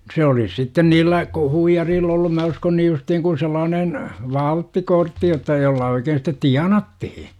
se olisi sitten niillä - huijarilla ollut minä uskon niin justiin kuin sellainen valttikortti jotta jolla oikein sitten tienattiin